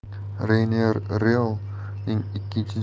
reynier real ning ikkinchi